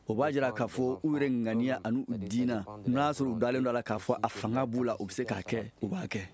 o b'a jira k'a fɔ u yɛrɛ ŋaniya an'u diinɛ n'a y'a sɔrɔ u dalen k'a fɔ a fanga b'u la u bɛ se k'a kɛ u b'a kɛ